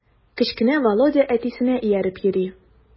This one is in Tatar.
Кечкенә Володя әтисенә ияреп йөри.